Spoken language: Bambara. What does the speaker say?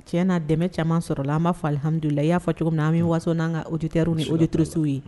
Tiɲɛna dɛmɛ caaman sɔrɔ la. An b'a fɔ Alhamdulilahi i y'a fɔ cogo minna, an bɛ waso n'an ka auditeurs ni auditrices ye